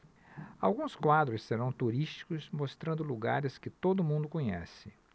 alguns quadros serão turísticos mostrando lugares que todo mundo conhece